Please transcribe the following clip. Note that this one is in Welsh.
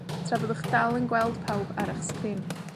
Tra byddwch dal yn gweld pawb ar 'ych sgrin.